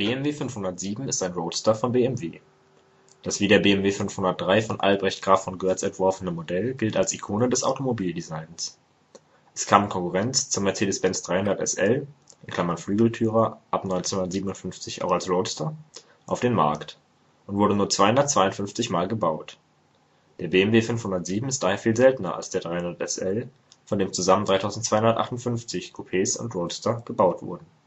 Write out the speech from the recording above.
BMW 507 ist ein Roadster von BMW. Das wie der BMW 503 von Albrecht Graf von Goertz entworfene Modell gilt als Ikone des Automobil-Designs. Es kam in Konkurrenz zum Mercedes-Benz 300 SL („ Flügeltürer "– ab 1957 auch als Roadster) auf den Markt und wurde nur 252 mal gebaut. Der BMW 507 ist daher viel seltener als der 300 SL, von dem zusammen 3258 Coupés und Roadster gebaut wurden